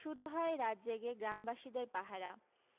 শুরু হয় রাত জেগে গ্রামবাসীদের পাহারা